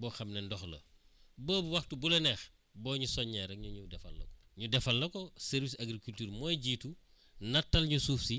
boo xam ne ndox la boobu waxtu bu la neex boo ñu soññee rek ñu ñëw defal la ko ñu defal la ko service agriculture mooy jiitu nattal ñu suuf si